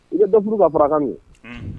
I ye dɔnuruba farakanmi ye